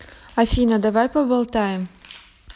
афина давай поболтаем